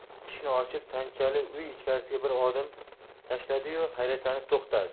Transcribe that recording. eshikni ochib tanchali uy ichkarisiga bir odim tashladi yu hayratlanib to'xtadi